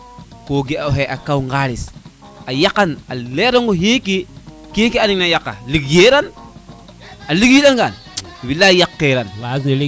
ko ge a oxe o kaw ŋalis a yaqan a lerong o xiki keke anina yaqa ligeyi ran a ligey angan bilaay yaqe ran